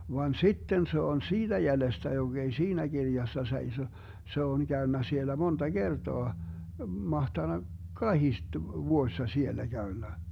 vaan sitten se on siitä jäljestä joka ei siinä kirjassa seiso se on käynyt siellä monta kertaa mahtanut kahdesti vuodessa siellä käynyt